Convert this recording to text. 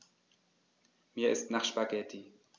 Mir ist nach Spaghetti.